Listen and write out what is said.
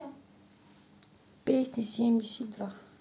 песня семьдесят два